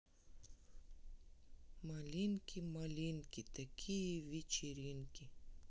малинки малинки такие вечеринки